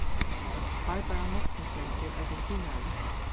barbara mortensen er argentinari